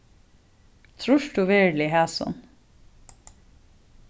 trýrt tú veruliga hasum